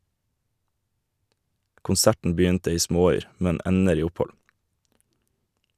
Konserten begynte i småyr , men ender i opphold.